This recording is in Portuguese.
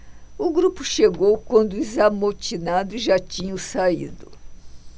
o grupo chegou quando os amotinados já tinham saído